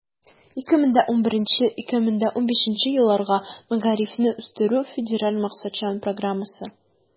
2011 - 2015 елларга мәгарифне үстерү федераль максатчан программасы.